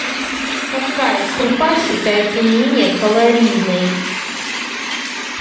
какая крупа считается менее калорийной